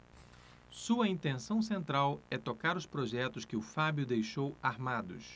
sua intenção central é tocar os projetos que o fábio deixou armados